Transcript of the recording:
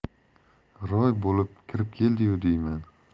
giroy bo'lib kirib keldiyu diyman